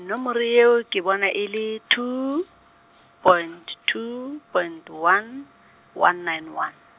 nno more eo ke bona e le two , point two point one, one nine one.